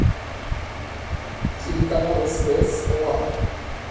телеканал стс лав